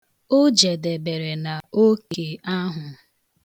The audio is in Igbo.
O jedebere n'oke ahụ.